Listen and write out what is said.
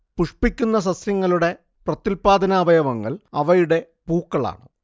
പുഷ്പിക്കുന്ന സസ്യങ്ങളുടെ പ്രത്യുല്പാദനാവയവങ്ങൾ അവയുടെ പൂക്കളാണ്